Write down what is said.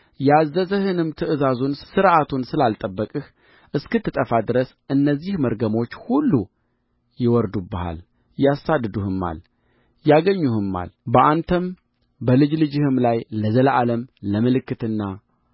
ያዘዘህንም ትእዛዙንና ሥርዓቱን ስላልጠበቅህ እስክትጠፋ ድረስ እነዚህ መርገሞች ሁሉ ይወርዱብሃል ያሳድዱህማል ያገኙሁማል በአንተም በልጅ ልጅህም ላይ ለዘላለም ለምልክትና